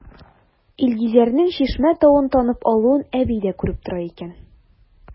Илгизәрнең Чишмә тавын танып алуын әби дә күреп тора икән.